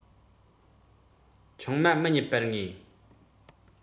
ཆུང མ མི རྙེད པར ངེས